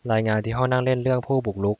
รายงานที่ห้องนั่งเล่นเรื่องผู้บุกรุก